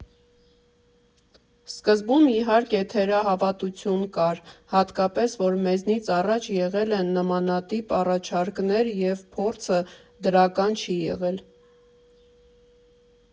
Սկզբում, իհարկե, թերահավատություն կար, հատկապես, որ մեզնից առաջ եղել են նմանատիպ առաջարկներ և փորձը դրական չի եղել։